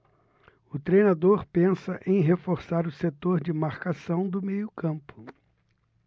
o treinador pensa em reforçar o setor de marcação do meio campo